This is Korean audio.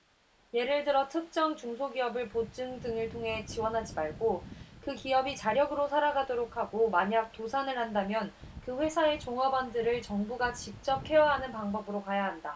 예를 들어 특정 중소기업을 보증 등을 통해 지원하지 말고 그 기업이 자력으로 살아가도록 하고 만약 도산을 한다면 그 회사의 종업원들을 정부가 직접 케어하는 방법으로 가야 한다